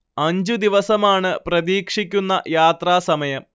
അഞ്ച് ദിവസമാണ് പ്രതീക്ഷിക്കുന്ന യാത്രാസമയം